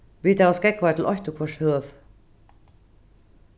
vit hava skógvar til eitt og hvørt høvi